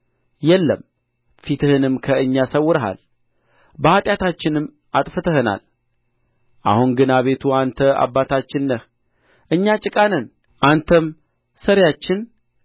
የለም ፊትህንም ከእኛ ሰውረሃል በኃጢአታችንም አጥፍተኸናል አሁን ግን አቤቱ አንተ አባታችን ነህ እኛ ጭቃ ነን አንተም ሠሪያችን ነህ እኛም ሁላችን የእጅህ ሥራ ነን